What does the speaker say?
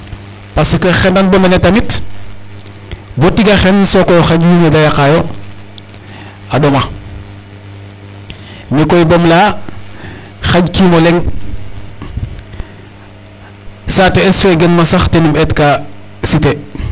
Parce que xendan bo mene tamit bo tige xen o xaƴ wiin we da yaqaayo a ɗoma mi koy bon laya xaƴkiim o leŋ saate'es fe genma sax ten um eetka cité.